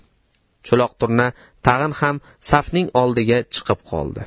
cho'loq turna tag'in ham safning oldiga chiqib qoldi